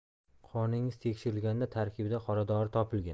qoningiz tekshirilganda tarkibida qoradori topilgan